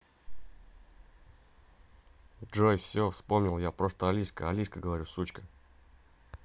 джой все вспомнил я просто алиска алиска говорю сучка